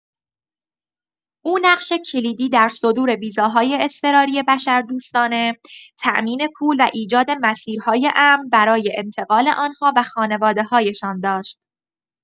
او نقش کلیدی در صدور ویزاهای اضطراری بشردوستانه، تامین پول و ایجاد مسیرهای امن برای انتقال آنها و خانواده‌هایشان داشت.